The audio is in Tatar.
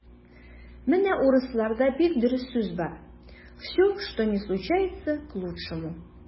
Менә урысларда бик дөрес сүз бар: "все, что ни случается - к лучшему".